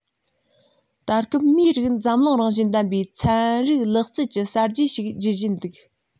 ད སྐབས མིའི རིགས འཛམ གླིང རང བཞིན ལྡན པའི ཚན རིག ལག རྩལ གྱི གསར བརྗེ ཞིག བརྒྱུད བཞིན འདུག